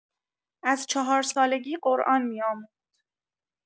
از چهارسالگی قرآن می‌آموخت.